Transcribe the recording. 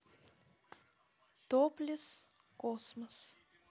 топлес космос